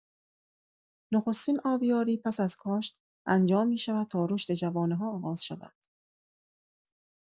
نخستین آبیاری پس از کاشت انجام می‌شود تا رشد جوانه‌ها آغاز شود.